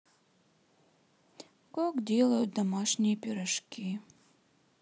как делают домашние пирожки